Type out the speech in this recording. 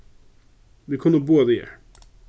vit kunnu báðar dagar